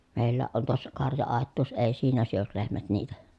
meilläkin on tuossa karja-aitaus ei siinä syö lehmät niitä